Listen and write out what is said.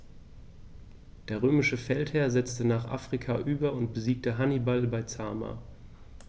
Der römische Feldherr setzte nach Afrika über und besiegte Hannibal bei Zama.